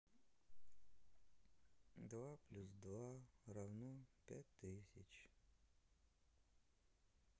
два плюс два равно пять тысяч